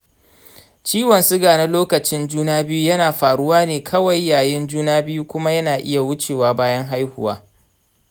ciwon suga na lokacin juna biyu yana faruwa ne kawai yayin juna biyu kuma yana iya wucewa bayan haihuwa.